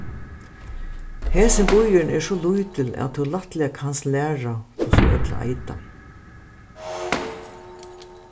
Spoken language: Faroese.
hesin býurin er so lítil at tú lættliga kanst læra hvussu øll eita